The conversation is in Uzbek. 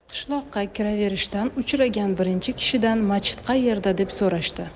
qishloqqa kiraverishda uchragan birinchi kishidan machit qaerda deb so'rashdi